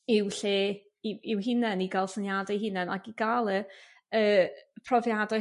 i'w lle i- i'w hunen i ga'l syniade 'u hunen ac i ga'l y y profiadau